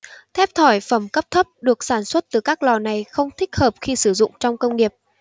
thép thỏi phẩm cấp thấp được sản xuất từ các lò này không thích hợp khi sử dụng trong công nghiệp